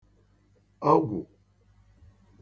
ọgwụ̀